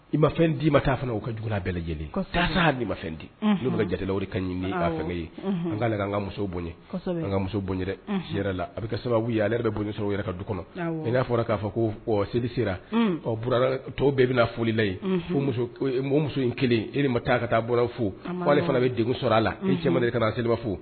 I ma fɛn di'i ma taa fana ka jugu bɛɛ lajɛlenha i ma fɛn dilo bɛ jatigi ka ɲini i fɛn yeale ka muso bonya an ka muso bɔn si yɛrɛ la a bɛ kɛ sababu ye ale yɛrɛ bɛ bonya sɔrɔ yɛrɛ ka du kɔnɔ n y'a fɔra k'a fɔ ko seli sera ɔ b tɔw bɛɛ bɛna folila fo mɔ muso in kelen e ma taa ka taa bɔ fo'ale fana bɛ den sɔrɔ a la i sɛma de kana se fo